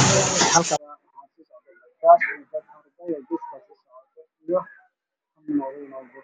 Meeshan waxaa maraayo arday dhar jaale qabo iyo mooto